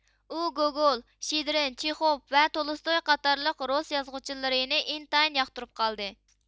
ئۇ گوگول شېدرىن چېخوف ۋە تولستوي قاتارلىق رۇس يازغۇچىلىرىنى ئىنتايىن ياقتۇرۇپ قالدى